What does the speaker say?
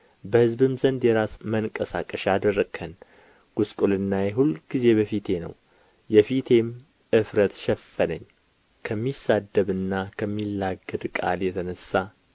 በሕዝብም ዘንድ የራስ መንቀሳቀሻ አደረግኸን ጕስቍልናዬ ሁልጊዜም በፊቴ ነው የፊቴም እፍረት ሸፈነኝ ከሚሳደብና ከሚላገድ ቃል የተነሣ